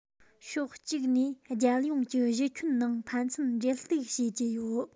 ཕྱོགས གཅིག ནས རྒྱལ ཡོངས ཀྱི གཞི ཁྱོན ནང ཕན ཚུན འབྲེལ གཏུག བྱེད ཀྱི ཡོད